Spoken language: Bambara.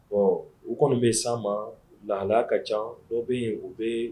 Ɔ u kɔni bɛ s'an ma lahalaya ka ca dɔ bɛ yen u bɛ